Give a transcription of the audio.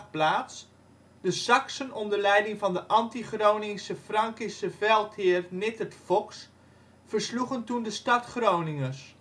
plaats; de Saksen onder leiding van de anti-Groningse Frankische veldheer Nittert Fox versloegen toen de stad-Groningers